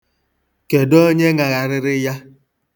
Kedụ onye ṅagharịrị ya?